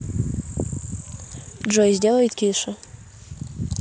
джой сделай тише